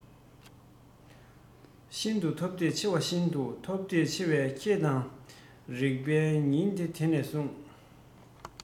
ཤིན ཏུ ཐོབ འདོད ཆེ བས ཤིན ཏུ ཐོབ འདོད ཆེ བས ཁྱེད དང རེག པའི ཉིན དེ ནས བཟུང